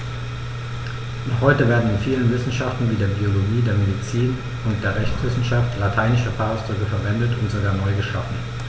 Noch heute werden in vielen Wissenschaften wie der Biologie, der Medizin und der Rechtswissenschaft lateinische Fachausdrücke verwendet und sogar neu geschaffen.